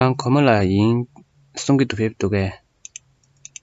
ཁྱེད རང གོར མོ ལ འགྲོ རྒྱུ ཡིན གསུང པས ཕེབས སོང ངམ